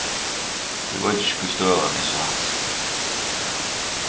eg veit ikki hví støðan er so hættislig